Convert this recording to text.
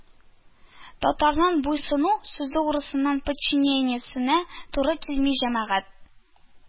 Татарның "буйсыну" сүзе урысның "подчинение"сенә туры килми, җәмәгать